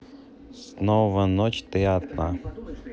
снова ночь ты одна